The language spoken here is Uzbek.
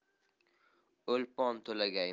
o'lpon to'lagaymiz